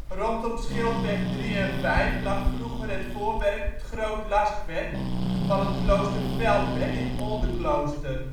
Rondom Schildweg 3 en 5 lag vroeger het voorwerk ' t Groot Laskwerd van het klooster Feldwerd (in Oldenklooster